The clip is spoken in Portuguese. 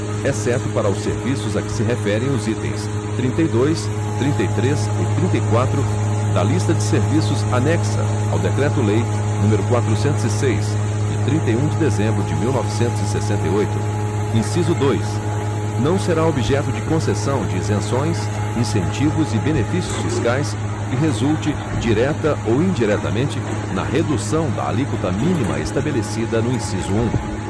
exceto para os serviços a que se referem os itens trinta e dois trinta e três e trinta e quatro da lista de serviços anexa ao decreto lei número quatrocentos e seis de trinta e um de dezembro de mil novecentos e sessenta e oito inciso dois não será objeto de concessão de isenções incentivos e benefícios fiscais que resulte direta ou indiretamente na redução da alíquota mínima estabelecida no inciso um